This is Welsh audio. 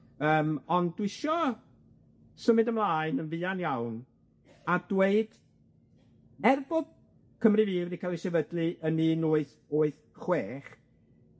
Yym ond dwi isio symud ymlaen yn fuan iawn a dweud, er bod Cymru Fydd wedi ca'l 'i sefydlu yn un wyth wyth chwech,